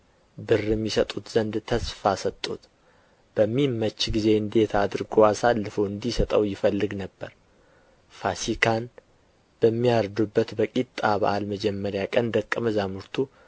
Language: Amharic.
ብርም ይሰጡት ዘንድ ተስፋ ሰጡት በሚመች ጊዜም እንዴት አድርጎ አሳልፎ እንዲሰጠው ይፈልግ ነበር